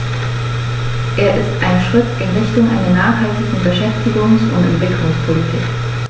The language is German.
Er ist ein Schritt in Richtung einer nachhaltigen Beschäftigungs- und Entwicklungspolitik.